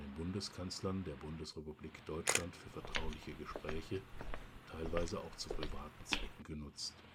Bundeskanzlern der Bundesrepublik Deutschland für vertrauliche Gespräche, teilweise auch zu privaten Zwecken genutzt